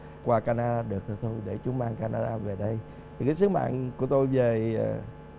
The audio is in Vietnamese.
qua ca na đa được thì để chú mang ca na đa về đây thì cái sứ mạng của tôi về